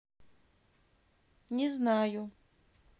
незнаю